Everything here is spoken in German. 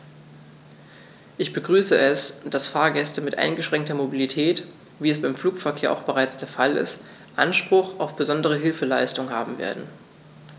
Ich begrüße es, dass Fahrgäste mit eingeschränkter Mobilität, wie es beim Flugverkehr auch bereits der Fall ist, Anspruch auf besondere Hilfeleistung haben werden.